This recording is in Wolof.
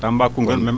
Tamba Koungeul même